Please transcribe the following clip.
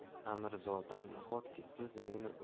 amirzodam nahotki siz